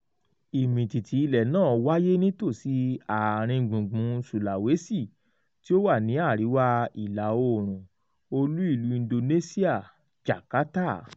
Ìmìtìtì ilẹ̀ náà wáyé nítòsí àárín gbùngbùn Sulawesi tí ó wà ní àríwá ìlà oòrùn olú ìlú Indonesia, Jakarta.